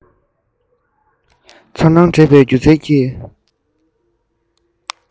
ཚོར སྣང འདྲེས པའི སྒྱུ རྩལ གྱི